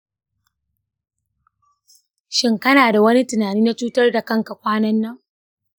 shin kana da wani tunani na cutar da kanka kwanan nan?